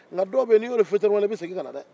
dɔw bɛ yen n'i ye olu fitiriwale i bɛ segin ka na dɛ